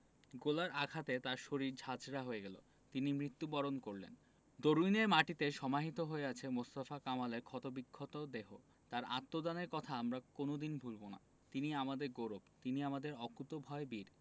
গোলার আঘাতে তার শরীর ঝাঁঝরা হয়ে গেল তিনি মৃত্যুবরণ করলেন দরুইনের মাটিতে সমাহিত হয়ে আছে মোস্তফা কামালের ক্ষতবিক্ষত দেহ তাঁর আত্মদানের কথা আমরা কোনো দিন ভুলব না তিনি আমাদের গৌরব তিনি আমাদের অকুতোভয় বীর